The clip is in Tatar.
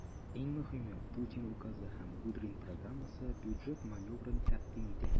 Иң мөһиме, Путин указы һәм Кудрин программасы бюджет маневрын тәкъдим итә.